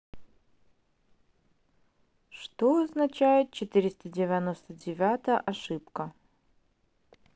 что означает четыреста девяносто девятая ошибка